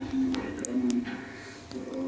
город бога